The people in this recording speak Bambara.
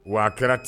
Wa a kɛra ti